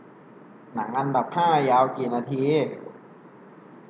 หนังอันดับห้ายาวกี่นาที